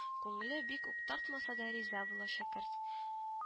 Күңеле бик үк тартмаса да риза була шәкерт